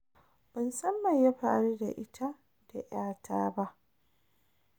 Ban san mai ya faru da ita da ‘ya ta ba.